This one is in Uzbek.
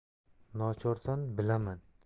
nochorsan bilaman